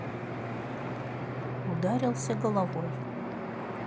ударился головой